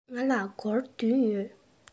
ང ལ སྒོར བདུན ཡོད